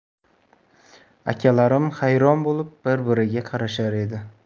akalarim hayron bo'lib bir biriga qarashar edi